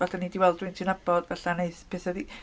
Falle wnei di weld rywun ti'n nabod, falla wneith petha ddi-...